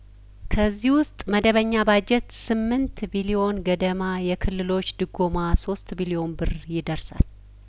ከዚህ ውስጥ መደበኛ ባጀት ስምንት ቢሊዮን ገደማ የክልሎች ድጐማ ሶስት ቢሊዮን ብር ይደርሳል